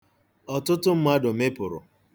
Ọtụtụ mmadụ mịpụrụ.